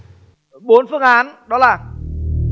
bốn phương án đó là